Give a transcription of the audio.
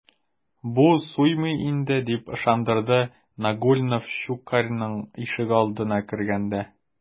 Бу суймый инде, - дип ышандырды Нагульнов Щукарьның ишегалдына кергәндә.